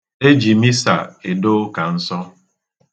E ji Misa edo ụka nsọ.